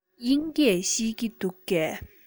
དབྱིན སྐད ཤེས ཀྱི འདུག གས